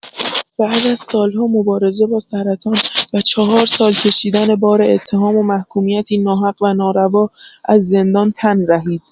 بعد از سال‌ها مبارزه با سرطان و چهار سال کشیدن بار اتهام و محکومیتی ناحق و ناروا، از زندان تن رهید.